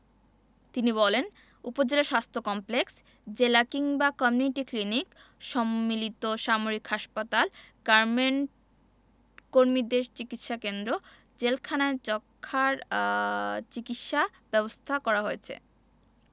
তিনি বলেন উপজেলা স্বাস্থ্য কমপ্লেক্স জেলা কিংবা কমিউনিটি ক্লিনিক সম্মিলিত সামরিক হাসপাতাল গার্মেন্টকর্মীদের চিকিৎসাকেন্দ্র জেলখানায় যক্ষ্মার চিকিৎসা ব্যবস্থা করা হয়েছে